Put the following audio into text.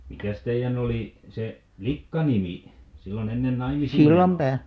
mikäs teidän oli se likkanimi silloin ennen naimisiinmenoa